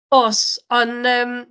Oes, ond yym...